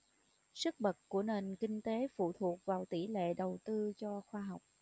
sức bật của nền kinh tế phụ thuộc vào tỷ lệ đầu tư cho khoa học